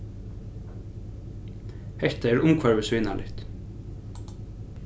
hetta er umhvørvisvinarligt